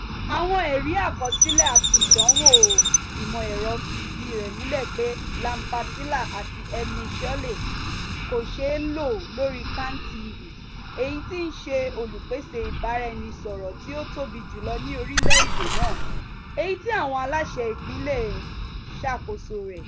Àwọn ẹ̀rí àkọsílẹ̀ àti ìdánwò ìmọ̀ ẹ̀rọ fi ìdí rẹ̀ múlẹ̀ pé La Patilla àti El Nacional kò ṣeé lò lórí CANTV, èyí tí í ṣe olùpèsè ìbáraẹnisọ̀rọ̀ tí ó tóbi jùlọ ní orílẹ̀ èdè náà, èyí tí àwọn aláṣẹ ìpínlè ń ṣàkóso rẹ̀.